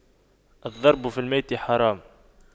الضرب في الميت حرام